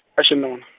a xinuna.